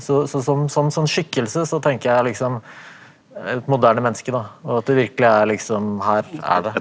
så så som sånn skikkelse så tenker jeg liksom et moderne menneske da og at det virkelig er liksom her er det.